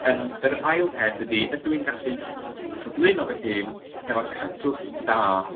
Yym yr ail peth ydi ydw i'n gallu cyflwyno fy hun hefo cyswllt da